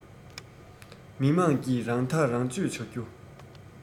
མི དམངས ཀྱིས རང ཐག རང གཅོད བྱ རྒྱུ